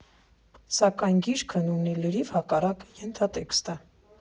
Սակայն գիրքն ունի լրիվ հակառակ ենթատեքստը։